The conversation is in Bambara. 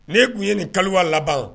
Ne tun ye nin kaliwa laban